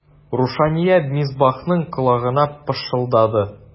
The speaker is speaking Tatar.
Рушания Мисбахның колагына пышылдады.